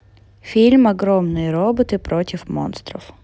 фильм огромные роботы против монстров